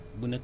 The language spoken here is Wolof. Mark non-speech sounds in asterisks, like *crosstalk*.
*hesitation* *hesitation*